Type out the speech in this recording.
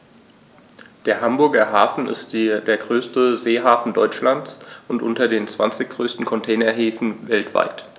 Der Hamburger Hafen ist der größte Seehafen Deutschlands und unter den zwanzig größten Containerhäfen weltweit.